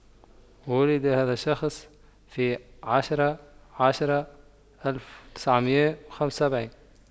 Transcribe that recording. وولد هذا الشخص في عشرة عشرة ألف وتسعمئة وخمسة وسبعين